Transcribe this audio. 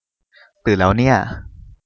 ตื่นแล้วเนี่ย